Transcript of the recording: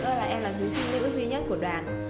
duy nhất của đoàn